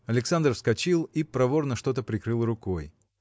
Александр вскочил и проворно что-то прикрыл рукой.